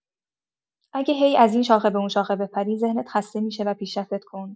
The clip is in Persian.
اگه هی از این شاخه به اون شاخه بپری، ذهنت خسته می‌شه و پیشرفتت کند.